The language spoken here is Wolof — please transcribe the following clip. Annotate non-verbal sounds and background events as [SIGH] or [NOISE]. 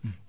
[HESITATION] [HESITATION]